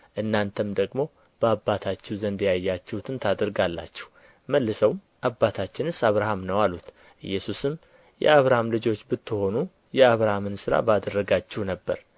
እናንተም ደግሞ በአባታችሁ ዘንድ ያያችሁትን ታደርጋላችሁ መልሰውም አባታችንስ አብርሃም ነው አሉት ኢየሱስም የአብሃም ልጆች ብትሆኑ የአብርሃምን ሥራ ባደረጋችሁ ነበር